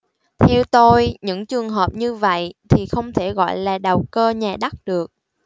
theo tôi những trường hợp như vậy thì không thể gọi là đầu cơ nhà đất được